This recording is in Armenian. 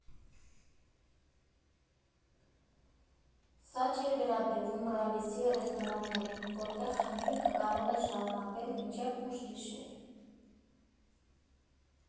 Սա չէր վերաբերվում ՌԱԲԻՍ֊ի ռեստորաններին, որտեղ խնջույքը կարող էր շարունակվել մինչև ուշ գիշեր։